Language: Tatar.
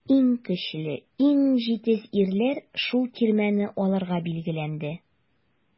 Иң көчле, иң җитез ирләр шул тирмәне алырга билгеләнде.